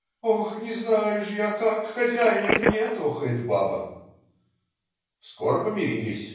- "Ох, не знаю же я как, хозяина-то нет",- охает баба. Скоро помирились.